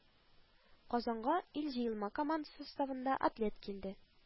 Казанга ил җыелма командасы составында атлет килде